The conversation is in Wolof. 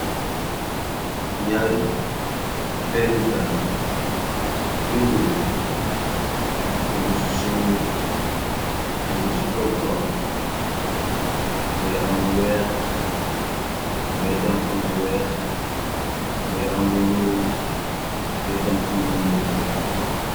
Nyaari peridalla yunduru tegu ci suuf te gu ci kawkaro bée am lu weex beetam am lu weex bé am lu ñyuul beetam am lu ñyuul.